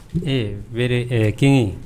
Ɛɛ kin ye